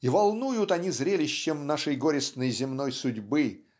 И волнуют они зрелищем нашей горестной земной судьбы